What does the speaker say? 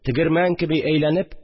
Тегермән кеби әйләнеп